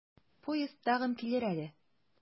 Поезд тагын килер әле.